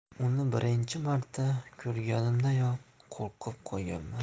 uni birinchi marta ko'rganimdayoq qo'rqib qolganman